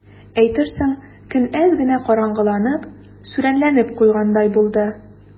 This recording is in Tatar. Әйтерсең, көн әз генә караңгыланып, сүрәнләнеп куйгандай булды.